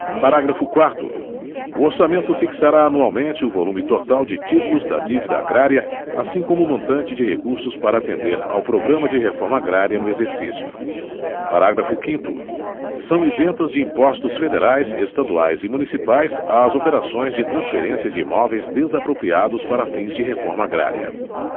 parágrafo quarto o orçamento fixará anualmente o volume total de títulos da dívida agrária assim como o montante de recursos para atender ao programa de reforma agrária no exercício parágrafo quinto são isentas de impostos federais estaduais e municipais as operações de transferência de imóveis desapropriados para fins de reforma agrária